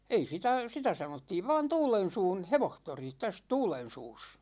ei sitä sitä sanottiin vain Tuulensuun hevostori tässä Tuulensuussa